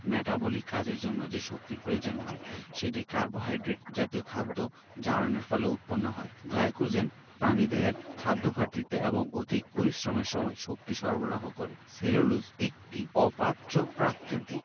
metabolic কাজের জন্য যে শক্তির প্রয়োজন হয় সেটি কার্বোহাইড্রেট জাতীয় খাদ্য জারণের ফলে উৎপন্ন হয় গ্লাইকোজেন প্রাণীদেহে খাদ্যঘাটতিতে বা অধিক পরিশ্রমের সময় শক্তি সরবরাহ করে সেলুলোজ একটি অপাচ্য প্রকৃতির